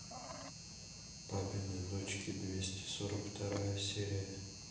папины дочки двести сорок вторая серия